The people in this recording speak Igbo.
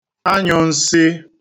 anyụ̄nsị̄